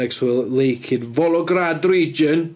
Next to a lake in Volograd Region.